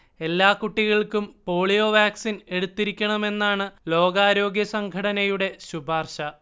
എല്ലാ കുട്ടികൾക്കും polio vaccine എടുത്തിരിക്കണമെന്നാണ് ലോകാരോഗ്യസംഘടനയുടെ ശുപാർശ